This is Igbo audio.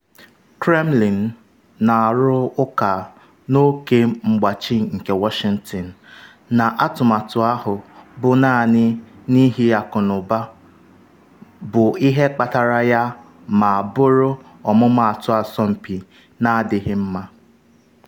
Kremlin na-arụ ụka na oke mgbachi nke Washington n’atụmatụ ahụ bụ naanị n’ihi akụnụba bụ ihe kpatara ya ma bụrụ ọmụmatụ asompi n’adịghị mma.